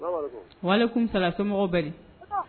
Wa kun salasomɔgɔw bɛ di